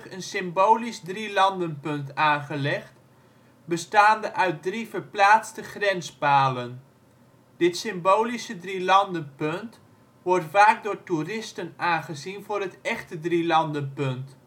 een symbolisch drielandenpunt aangelegd, bestaande uit drie verplaatste grenspalen. Dit symbolische drielandenpunt wordt vaak door toeristen aangezien voor het echte drielandenpunt